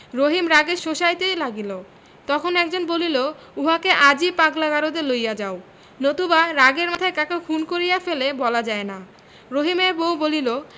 রহিম রাগে শোষাইতে লাগিল তখন একজন বলিল উহাকে আজই পাগলা গারদে লইয়া যাও নতুবা রাগের মাথায় কাকে খুন করিয়া ফেলে বলা যায় না রহিমের বউ বলিল